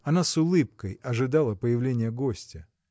Она с улыбкой ожидала появления гостя.